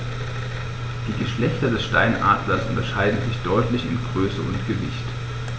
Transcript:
Die Geschlechter des Steinadlers unterscheiden sich deutlich in Größe und Gewicht.